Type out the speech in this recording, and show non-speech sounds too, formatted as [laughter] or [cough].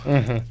[hesitation] [hesitation]